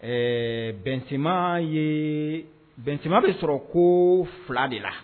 Ɛɛ bɛn semaa yee bɛ sema bɛ sɔrɔ koo 2 de la